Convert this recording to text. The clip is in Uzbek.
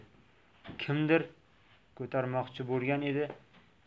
kimdir ko'tarmoqchi bo'lgan edi